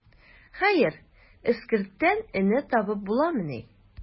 Хәер, эскерттән энә табып буламыни.